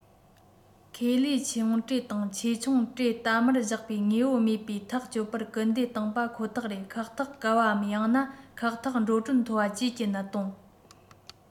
ཁེ ལས ཆུང གྲས དང ཆེས ཆུང གྲས གཏའ མར བཞག པའི དངོས པོ མེད པའི ཐག གཅོད པར སྐུལ འདེད དང པ ཁོ ཐག རེད ཁག ཐེག དཀའ བ པའམ ཡང ན ཁག ཐེག འགྲོ གྲོན མཐོ བ བཅས ཀྱི གནད དོན